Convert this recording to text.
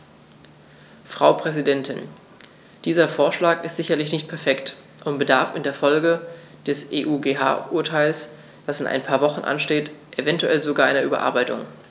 Frau Präsidentin, dieser Vorschlag ist sicherlich nicht perfekt und bedarf in Folge des EuGH-Urteils, das in ein paar Wochen ansteht, eventuell sogar einer Überarbeitung.